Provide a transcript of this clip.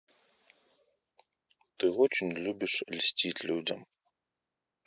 ты очень любишь льстить людям